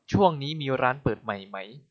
ช่วงนี้มีร้านเปิดใหม่ไหม